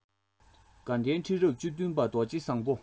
དགའ ལྡན ཁྲི རབས བཅུ བདུན པ རྡོ རྗེ བཟང པོ